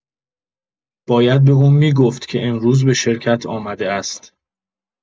باید به او می‌گفت که امروز به شرکت آمده است.